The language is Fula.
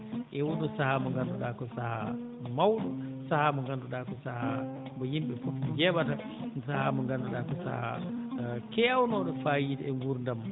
e oo ɗoo sahaa mo ngannduɗaa ko sahaa mawɗo sahaa mo ngannduɗaa ko sahaa mo yimɓe fof njeeɓata ko sahaa mo ngannduɗaa ko sahaa keewnooɗo fayda e nguurndam